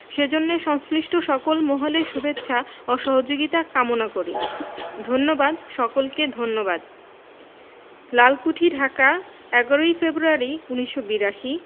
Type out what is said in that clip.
সেজন্য সংশ্লিষ্ট সকল মহলের শুভেচ্ছা ও সহযোগিতা কামনা করি ধন্যবাদ সকলকে ধন্যবাদ লালকুঠি ঢাকা ১১ই ফেব্রুয়ারি ১৯৮২